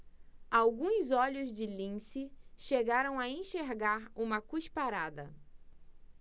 alguns olhos de lince chegaram a enxergar uma cusparada